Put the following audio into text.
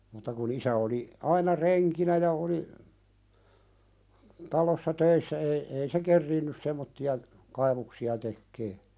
mutta kun isä oli aina renkinä ja oli talossa töissä ei ei se kerinnyt semmoisia kaivuksia tekemään